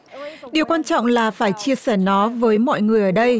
điều quan trọng là phải chia sẻ nó với mọi người ở đây